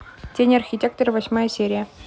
тень архитектора восьмая серия